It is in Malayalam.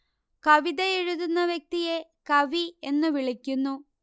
കവിത എഴുതുന്ന വ്യക്തിയെ കവി എന്നു വിളിക്കുന്നു